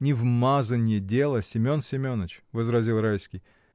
— Не в мазанье дело, Семен Семеныч! — возразил Райский.